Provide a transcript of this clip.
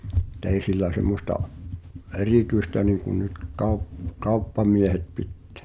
mutta ei sillä semmoista erityistä niin kuin nyt - kauppamiehet pitää